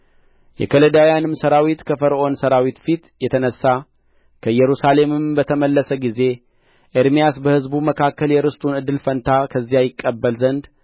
የከለዳውያንም ሠራዊት ከፈርዖን ሠራዊት ፊት የተነሣ ከኢየሩሳሌም በተመለሰ ጊዜ ኤርምያስ በሕዝቡ መካከል የርስቱን እድል ፈንታ ከዚያ ይቀበል ዘንድ